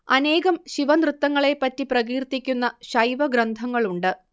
അനേകം ശിവനൃത്തങ്ങളെപ്പറ്റി പ്രകീർത്തിക്കുന്ന ശൈവഗ്രന്ഥങ്ങളുണ്ട്